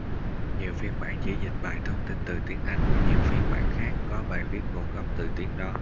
nhiều phiên bản chỉ dịch bài thông tin từ tiếng anh nhiều phiên bản khác có bài viết nguồn gốc từ tiếng đó